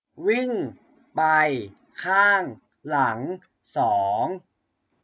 วิ่งไปข้างหลังสอง